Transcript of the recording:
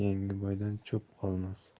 yangi boydan cho'p qolmas